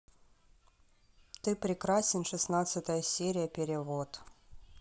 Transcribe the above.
ты прекрасен шестнадцатая серия перевод